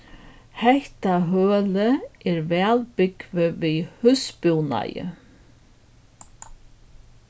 hetta hølið er væl búgvið við húsbúnaði